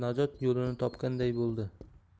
najot yo'lini topganday bo'ldi